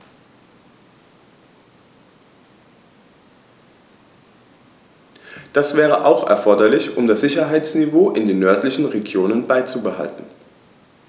Das wäre auch erforderlich, um das Sicherheitsniveau in den nördlichen Regionen beizubehalten.